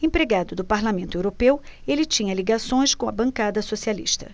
empregado do parlamento europeu ele tinha ligações com a bancada socialista